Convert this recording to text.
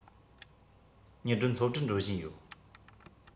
ཉི སྒྲོན སློབ གྲྭར འགྲོ བཞིན ཡོད